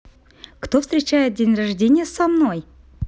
кто встречает день рождения со мной